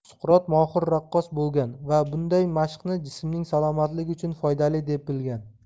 suqrot mohir raqqos bo'lgan va bunday mashqni jismning salomatligi uchun foydali deb bilgan